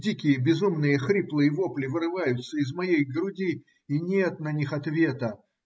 Дикие, безумные хриплые вопли вырываются из моей груди, и нет на них ответа.